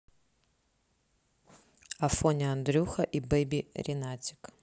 афоня андрюха и baby ренатик